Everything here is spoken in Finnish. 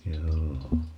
joo